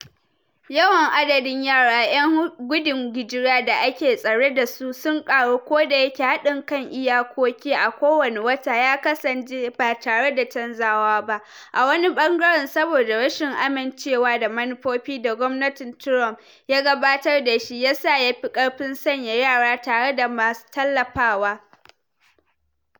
Yawan adadin yara 'yan gudun hijirar da ake tsare da su sun karu ko da yake haɗin kan iyakoki a kowane wata ya kasance ba tare da canzawa ba, a wani bangare saboda rashin amincewa da manufofi da gwamnatin Trump ya gabatar da shi ya sa ya fi ƙarfin sanya yara tare da masu tallafawa.